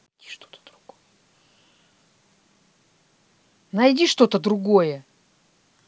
найди что то другое